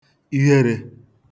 ihwerē